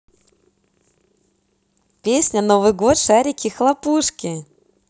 песня новый год шарики хлопушки